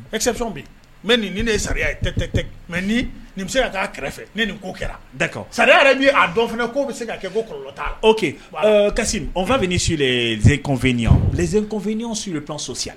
Acception be ye mais nin nin de ye charia ye tɛk tɛk tɛk mais niin nin be se ka k'a kɛrɛfɛ ni nin ko kɛra d'accord charia yɛrɛ min ye a dɔn fɛnɛ k'o bɛ se ka kɛ ko kɔlɔlɔ t'a la ok euh Kassim on va venir sur les inconvénients les inconvénients sur le plan social